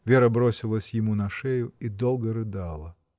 Вера бросилась ему на шею и долго рыдала.